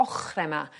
ochre 'ma